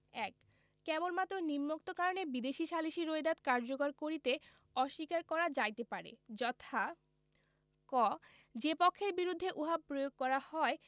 ১ কেবলমাত্র নিম্নোক্ত কারণে বিদেশী সালিসী রোয়েদাদ কার্যকর করিতে অস্বীকার করা যাইতে পারে যথা ক যে পক্ষের বিরুদ্ধে উহা প্রয়োগ করা হয়